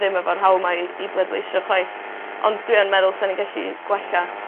ddim efo'r haw' 'ma i i bleidleisio chwaith ond dwi yn meddwl sa ni'n gallu gwella